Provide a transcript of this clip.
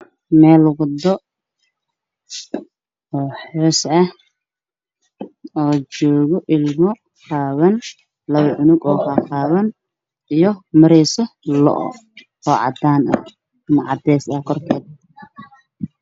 Waa waddo waxaa maraayo sac waxaa kaloo maraayo labo ilmo oo kala qaawan waana waddo badan